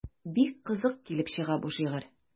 Бик кызык килеп чыга бу шигырь.